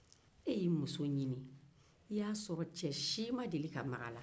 e y'i muso ɲini i y'a sɔrɔ cɛ si ma deli ka maga a la